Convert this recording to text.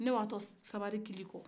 ne watɔ sabari kili kɔ